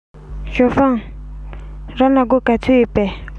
ཞའོ ཧྥང རང ལ སྒོར ག ཚོད ཡོད པས